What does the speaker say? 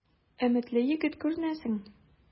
Өметле егет күренәсең.